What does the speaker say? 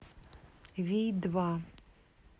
вий два